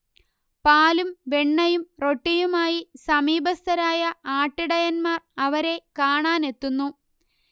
പാലും വെണ്ണയും റൊട്ടിയുമായി സമീപസ്തരായ ആട്ടിടയന്മാർ അവരെ കാണാനെത്തുന്നു